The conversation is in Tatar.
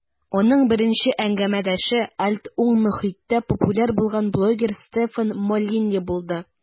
Аның беренче әңгәмәдәше "альт-уң" мохиттә популяр булган видеоблогер Стефан Молинье булды.